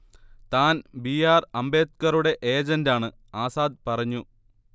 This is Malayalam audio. താൻ ബി. ആർ അംബേദ്കറുടെ ഏജന്റാണ്- ആസാദ് പറഞ്ഞു